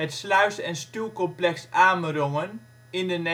Sluis - en Stuwcomplex Amerongen in de